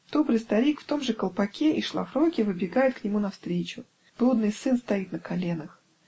добрый старик в том же колпаке и шлафорке выбегает к нему навстречу: блудный сын стоит на коленах